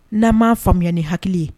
N'an m maa faamuyaya ni hakili ye